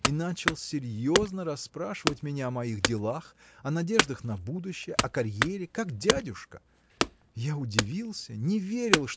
и начал серьезно расспрашивать меня о моих делах о надеждах на будущее о карьере как дядюшка. Я удивился не верил